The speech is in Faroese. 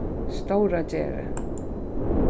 stóragerði